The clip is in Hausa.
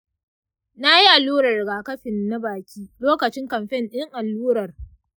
nayi allurar rigakafin na baki lokacin kamfen din allurar